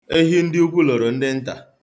Ehi ndị ukwu loro ndị nta.